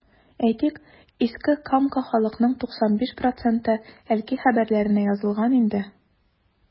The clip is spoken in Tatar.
Әйтик, Иске Камка халкының 95 проценты “Әлки хәбәрләре”нә язылган инде.